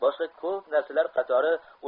boshqa ko'p narsalar qatori